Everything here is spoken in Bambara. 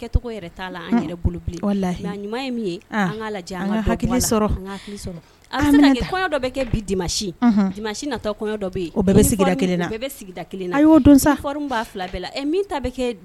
Kɔɲɔ dɔ nata dɔ a